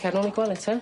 Cer nôl i gwely te?